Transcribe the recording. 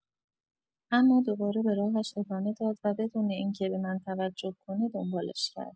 اما دوباره به راهش ادامه داد و بدون اینکه به من توجه کنه دنبالش کرد.